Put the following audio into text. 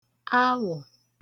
awọ̀